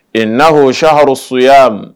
Ee na h sa harosoya